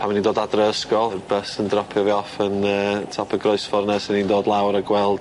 Pan o'n i'n dod adre o ysgol yr bys yn dropio fi off yn yy top y groesffor 'na swn i'n dod lawr a gweld